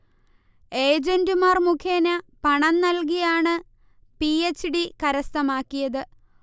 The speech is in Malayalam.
ഏജൻറുമാർ മുഖേന പണം നൽകിയാണ് പി. എച്ച്. ഡി. കരസ്ഥമാക്കിയത്